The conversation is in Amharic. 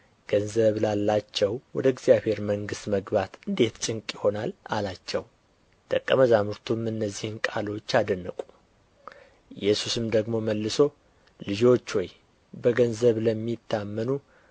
ገንዘብ ላላቸው ወደ እግዚአብሔር መንግሥት መግባት እንዴት ጭንቅ ይሆናል አላቸው ደቀ መዛሙርቱም እነዚህን ቃሎች አደነቁ ኢየሱስም ደግሞ መልሶ ልጆች ሆይ በገንዘብ ለሚታመኑ